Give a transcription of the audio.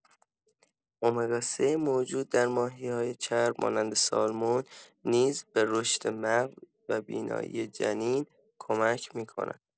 امگا ۳ موجود در ماهی‌های چرب مانند سالمون نیز به رشد مغز و بینایی جنین کمک می‌کند.